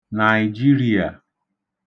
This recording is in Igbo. Nàị̀jirīà